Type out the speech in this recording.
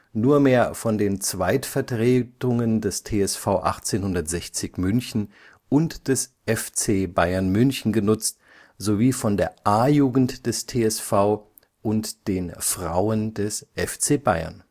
nur mehr von den Zweitvertretungen des TSV 1860 München und des FC Bayern München genutzt sowie von der A-Jugend des TSV und den Frauen des FC Bayern